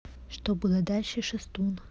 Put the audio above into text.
что было дальше шастун